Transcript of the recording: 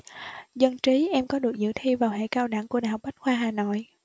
dân trí em có được dự thi vào hệ cao đẳng của đại học bách khoa hà nội